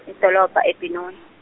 edoloba e- Benoni.